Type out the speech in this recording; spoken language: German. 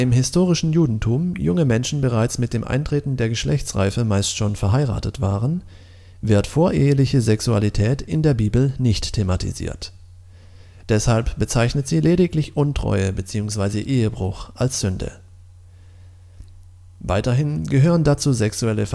historischen Judentum junge Menschen bereits mit Eintreten der Geschlechtsreife meist schon verheiratet waren, wird voreheliche Sexualität in der Bibel nicht thematisiert. Deshalb bezeichnet sie lediglich Untreue bzw. Ehebruch als Sünde. Weiterhin gehören dazu sexuelle